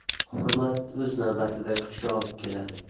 hurmat o'z navbatida kuchga olib keladi